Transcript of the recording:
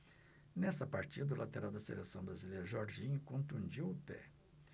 nesta partida o lateral da seleção brasileira jorginho contundiu o pé